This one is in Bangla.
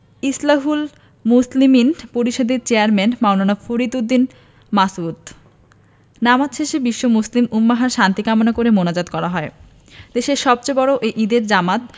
ইসলাহুল মুসলিমিন পরিষদের চেয়ারম্যান মাওলানা ফরিদ উদ্দীন মাসউদ নামাজ শেষে বিশ্ব মুসলিম উম্মাহর শান্তি কামনা করে মোনাজাত করা হয় দেশের সবচেয়ে বড় এই ঈদের জামাত